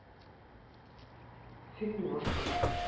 фильм не может быть